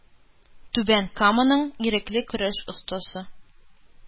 Түбән Каманың ирекле көрәш остасы